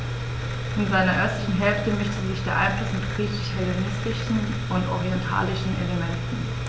In seiner östlichen Hälfte mischte sich dieser Einfluss mit griechisch-hellenistischen und orientalischen Elementen.